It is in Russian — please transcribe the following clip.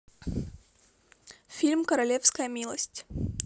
фильм королевская милость